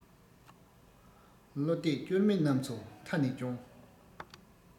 བློ གཏད བཅོལ མི རྣམས ཚོ མཐའ ནས སྐྱོངས